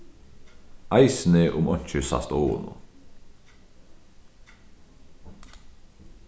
eisini um einki sæst á honum